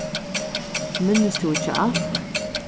minnist tú ikki alt